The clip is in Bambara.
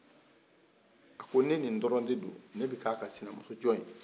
a ko ko nin ni dɔrɔn ne don ne bi k'a ka sinamuso cɔn ye